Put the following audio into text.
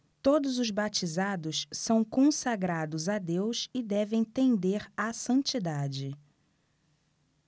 todos os batizados são consagrados a deus e devem tender à santidade